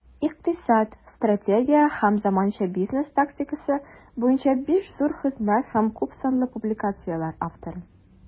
Икътисад, стратегия һәм заманча бизнес тактикасы буенча 5 зур хезмәт һәм күпсанлы публикацияләр авторы.